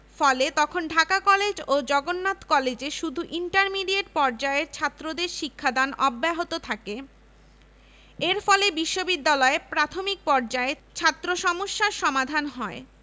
সব রকম সুযোগসুবিধা দিয়েও প্রশাসন মাত্র অল্পসংখ্যক মুসলিম শিক্ষক সংগ্রহ করতে সক্ষম হয় এমনকি মুসলমান ছাত্রের সংখ্যাও তখন দাঁড়ায় মাত্র ৯ শতাংশ